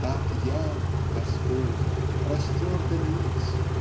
Так я, Господь, простерта ниц